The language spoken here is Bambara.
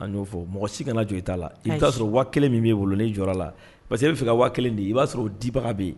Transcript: A y'o fɔ mɔgɔ si kana jɔ i t' la i'a sɔrɔ wa kelen min bɛ wolonin jɔ la pa que b bɛ fɛ ka wa kelen de i b'a sɔrɔ dibaga bɛ yen